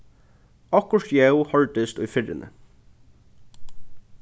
okkurt ljóð hoyrdist í firruni